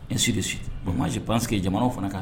E sirisi omasi p pasi jamana fana kan